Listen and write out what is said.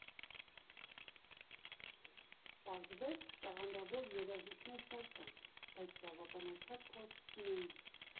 Պարզվեց՝ տաղանդավոր երաժիշտներ շատ կան, բայց բավականաչափ փորձ չունեին։